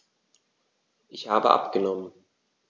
Ich habe abgenommen.